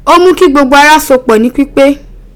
O mu ki gbogbo ara sopo ni pipe.